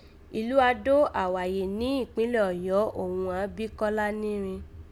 Ìlú Àdó Àwàyè ní ìkpínlẹ̀ Ọ̀yọ́ òghun àán bí Kọ́lá ní rin